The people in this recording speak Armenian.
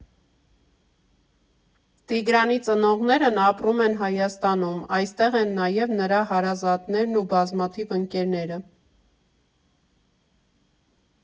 Տիգրանի ծնողներն ապրում են Հայաստանում, այստեղ են նաև նրա հարազատներն ու բազմաթիվ ընկերները։